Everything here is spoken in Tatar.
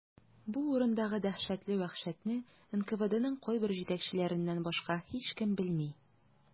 Бу урындагы дәһшәтле вәхшәтне НКВДның кайбер җитәкчеләреннән башка һичкем белми.